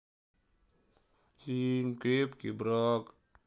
фильм крепкий брак